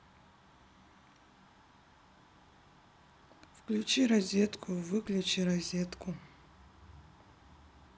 включи розетку выключи розетку